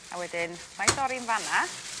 a wedyn os 'nai dorri yn fan 'na